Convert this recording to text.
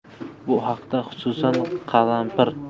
bu haqda xususan qalampir